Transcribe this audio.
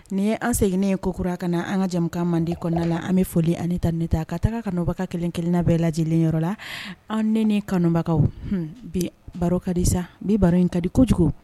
Nin ye an seginnanen ye ko kurara kana an ka jamana mande di kɔnɔna la an bɛ foli ani ta ne ta ka taga kabaga kelen kelenna bɛɛ lajɛ lajɛlenyɔrɔ la an ni kanubagaw bi baro ka disa bi baro in ta di kojugu